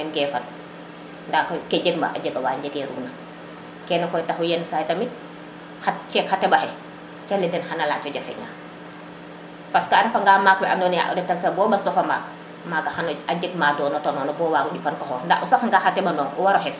ke fag nda koy ke jeg ma a jega wa njegeruna kene koy taxu yenisay tamit xa ceeg xa teɓaxe calel den xana yaco jafeña parce a refa nga maak we ando naye reta bo mbaslofa maak maga xana a jeg ma dona tanona wago njufan ka xoxof nda o saqa nga xa teɓanoŋ o waro xes